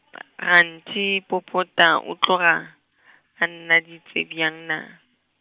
kganthe Popota o tloga, a nnyaditše bjang na.